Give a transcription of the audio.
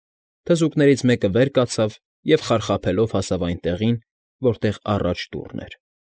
Թզուկներից մեկը վեր կացավ և խարխափելով հասավ այն տեղին, նորտեղ առաջ դուռն էր։